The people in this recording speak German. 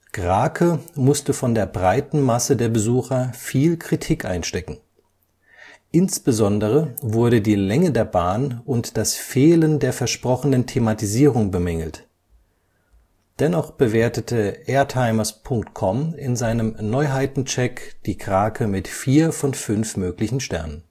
Krake musste von der breiten Masse der Besucher viel Kritik einstecken. Insbesondere wurde die Länge der Bahn und das Fehlen der versprochenen Thematisierung bemängelt. Dennoch bewertete airtimers.com in seinem Neuheiten-Check die Krake mit vier von fünf möglichen Sternen